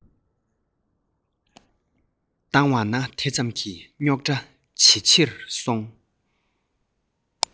བཏང བ ན དེ ཙམ གྱིས རྙོག དྲ ཇེ ཆེར སོང